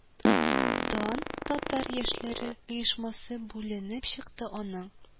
Дан татар яшьләре оешмасы бүленеп чыкты, аның